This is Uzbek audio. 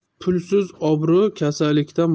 pulsiz obro 'kasallikdan